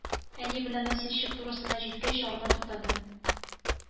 Әни белән носильчик турысына җиткәч арба туктады